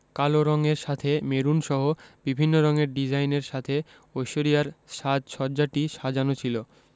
কালো রঙের সাথে মেরুনসহ বিভিন্ন রঙের ডিজাইনের সাথে ঐশ্বরিয়ার সাজ সজ্জাটি সাজানো ছিল